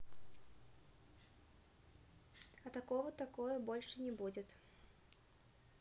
а такого такое больше не будет